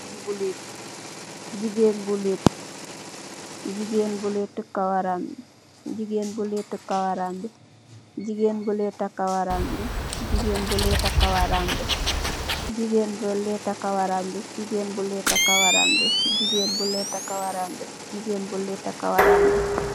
Jegueen bou letta kawwaram bi